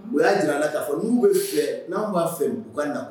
U y'a jira a la, k'a fɔ n'u bɛ fɛ, n' anw b'a fɛ, u ka na.